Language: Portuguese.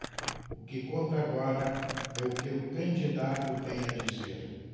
o que conta agora é o que o candidato tem a dizer